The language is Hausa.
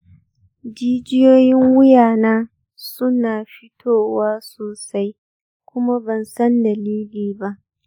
jijiyoyin wuya na suna fitowa sosai kuma bansan dalili ba.